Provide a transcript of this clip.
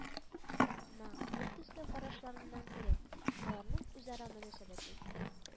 На бертөсле карашларыннан күрә, аларның үзара мөнәсәбәтен